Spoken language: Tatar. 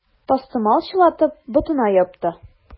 Тастымал чылатып, ботына япты.